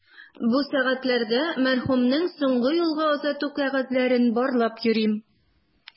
Бу сәгатьләрдә мәрхүмнең соңгы юлга озату кәгазьләрен барлап йөрим.